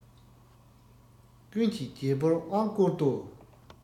ཀུན གྱིས རྒྱལ པོར དབང བསྐུར ཏོ